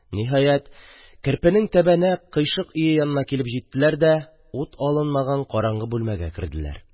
Ниһәят, Керпенең тәбәнәк, кыйшык өе янына килеп җиттеләр дә, ут алынмаган караңгы бүлмәгә керделәр.